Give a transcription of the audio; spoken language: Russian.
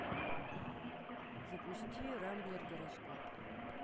запусти рамблер гороскоп